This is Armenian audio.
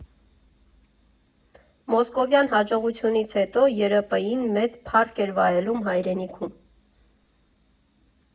Մոսկովյան հաջողությունից հետո ԵրՊԻ֊ն մեծ փառք էր վայելում հայրենիքում։